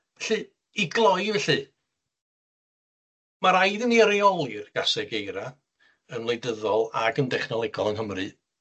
'Lly, i gloi felly, ma' raid i ni reoli'r gaseg eira yn wleidyddol ag yn dechnolegol yng Nghymru.